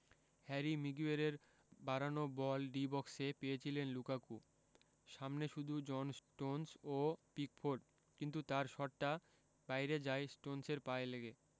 Harry মিগুয়েরের বাড়ানো বল ডি বক্সে পেয়েছিলেন লুকাকু সামনে শুধু জন স্টোনস ও পিকফোর্ড কিন্তু তাঁর শটটা বাইরে যায় স্টোনসের পায়ে লেগে